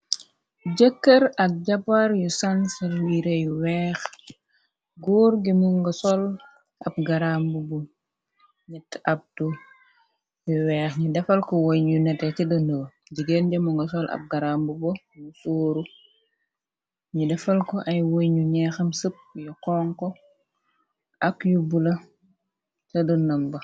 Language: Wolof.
Jëkër ak jabaar yu sànsa yireyu weex, góor gi mu nga sol ab garambubu nyett abdu yu weex ñi defal ko woñ yu nete ca dëna, jigeen jëmu nga sol ab garambuba bu sooru, ñi defal ko ay woyñ yu ñeexam sëpp, yu xonxo, ak yu bula, sa denam ba.